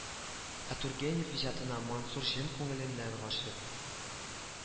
Ә тургенев иҗатына мансур чын күңеленнән гашыйк